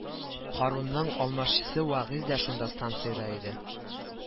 Һарунның алмашчысы вәгыйзь дә шунда станциядә иде